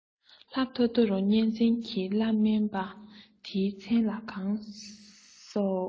ལྷ ཐོ ཐོ གཉན བཙན གྱི བླ སྨན པ དེའི མཚན ལ གང གསོལ